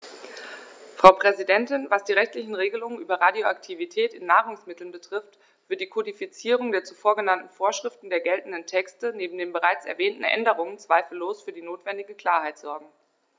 Frau Präsidentin, was die rechtlichen Regelungen über Radioaktivität in Nahrungsmitteln betrifft, wird die Kodifizierung der zuvor genannten Vorschriften der geltenden Texte neben den bereits erwähnten Änderungen zweifellos für die notwendige Klarheit sorgen.